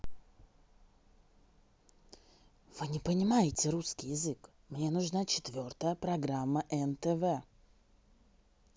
вы не понимаете русский язык мне нужна четвертая программа нтв